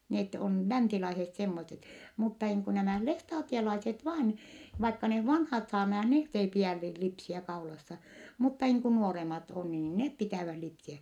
ne on länsilaiset semmoiset mutta niin kuin nämä lestadiolaiset vain vaikka ne vanhat saarnaajat ne ei pidä niin lipsiä kaulassa mutta niin kuin nuoremmat on niin ne pitävät lipsiä